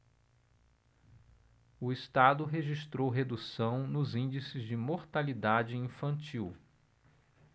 o estado registrou redução nos índices de mortalidade infantil